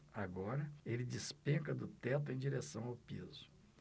agora ele despenca do teto em direção ao piso